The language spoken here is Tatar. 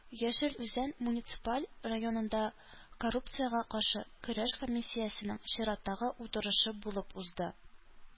Яшел Үзән муниципаль районында коррупциягә каршы көрәш комиссиясенең чираттагы утырышы булып узды.